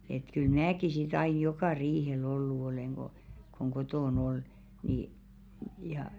että kyllä minäkin sitten aina joka riihellä ollut olen kun kun kotona oli niin ja